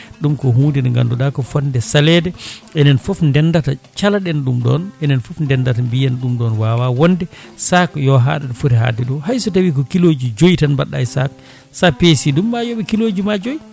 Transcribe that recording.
ɗum ko hunde nde ganduɗa ko fonde salede enen foof dendata caloɗen ɗum ɗon enen foof dendata mbiyen ɗum ɗon wawa wonde sac yo haɗ ɗo footi hadde ɗo hayso tawi ko kilo ji joyyi tan mbaɗɗa e sac sa peese ɗum ma yooɓe kilo ji ma joyyi